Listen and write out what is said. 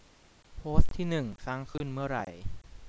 โพสต์ที่หนึ่งสร้างขึ้นเมื่อไร